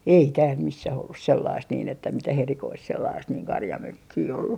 ei täällä missään ollut sellaista niin että mitään erikoista sellaista niin karjamökkiä ollut